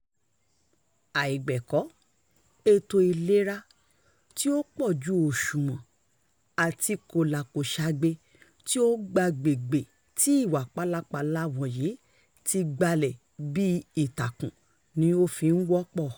Àìgbẹ̀kọ́, ètò ìlera tí ò pójú òṣùwọ̀n àti kòlàkòṣagbe tí ó ń gb'àgbègbè tí ìwà pálapalà wọ̀nyí ti gbalẹ̀ bí i ìtàkùn ni ó fi wọ́pọ̀.